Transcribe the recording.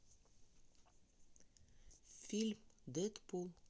фильм дэдпул